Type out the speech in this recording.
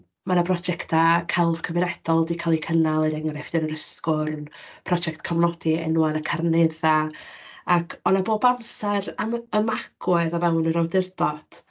Mae 'na brojectau celf cymunedol wedi cael eu cynnal, er enghraifft, yn yr Ysgwrn, project cofnodi enwa yn y Carneddau, ac oedd 'na bob amser am- ymagwedd o fewn yr awdurdod.